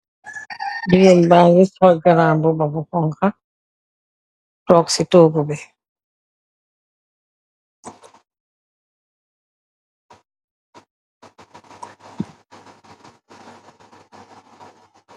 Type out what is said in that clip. Jigéen baa ngi sol garaambuba bu xoñxa, toog si kow toogu bi.